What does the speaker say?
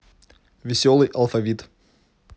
веселый алфавит